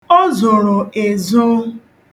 O zoro ezo.